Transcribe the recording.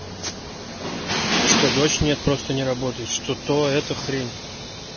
что дочь нет просто не работает что то эта хрень